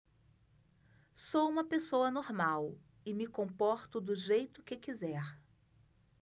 sou homossexual e me comporto do jeito que quiser